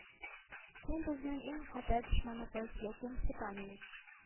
Кем безнең иң хәтәр дошманыбыз яким степанович